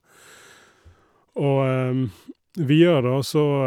Og videre, da, så...